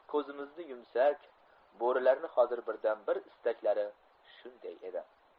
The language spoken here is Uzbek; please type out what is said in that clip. ko'zimizni yumsak bo'rilarni hozir birdan bir istaklari shunday edi